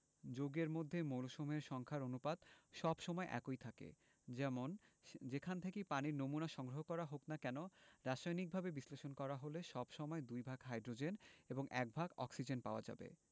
যৌগের মধ্যে মৌলসমূহের সংখ্যার অনুপাত সব সময় একই থাকে যেমন যেখান থেকেই পানির নমুনা সংগ্রহ করা হোক না কেন রাসায়নিকভাবে বিশ্লেষণ করা হলে সব সময় দুই ভাগ হাইড্রোজেন এবং এক ভাগ অক্সিজেন পাওয়া যাবে